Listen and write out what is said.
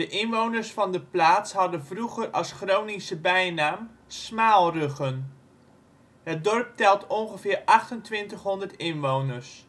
inwoners van de plaats hadden vroeger als Groningse bijnaam Smaalruggen. Het dorp telt ongeveer 2.800 inwoners